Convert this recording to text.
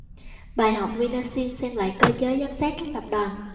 bài học vinashin xem lại cơ chế giám sát các tập đoàn